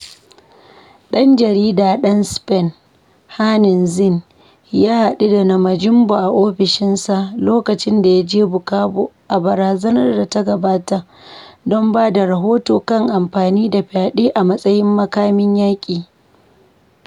Ɗan jarida ɗan Spain, Hernán Zin, ya haɗu da Namujimbo a ofishinsa lokacin da ya je Bukavu a bazarar da ta gabata don ba da rahoto kan amfani da fyaɗe a matsayin makamin yaƙi.